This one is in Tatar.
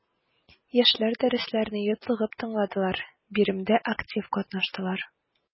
Яшьләр дәресләрне йотлыгып тыңладылар, биремнәрдә актив катнаштылар.